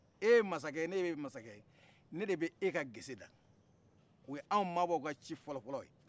e ye masakɛ ne ye masakɛ ye ne de b' e ka geseda o y'anw mabɔw ka ci fɔlɔfɔlɔ